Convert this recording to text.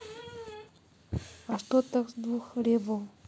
а что так с двух рево